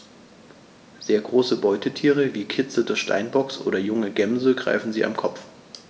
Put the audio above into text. Sehr große Beutetiere wie Kitze des Steinbocks oder junge Gämsen greifen sie am Kopf.